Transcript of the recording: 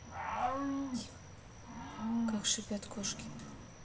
как шипят кошки